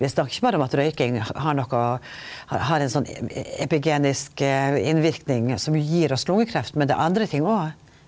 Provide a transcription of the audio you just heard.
vi snakkar ikkje berre om at røyking har noko har ein sånn epigenetisk innverknad som gir oss lungekreft men det er andre ting òg?